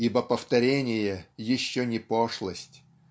Ибо повторение еще не пошлость.